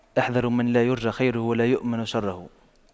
احذروا من لا يرجى خيره ولا يؤمن شره